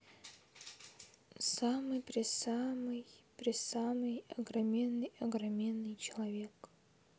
самый пресамый пресамый огроменный огроменный человек